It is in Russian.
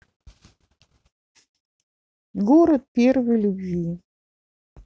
город первой любви